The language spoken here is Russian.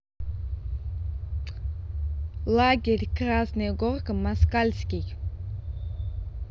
лагерь красная горка москальский